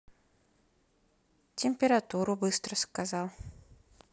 температуру быстро сказал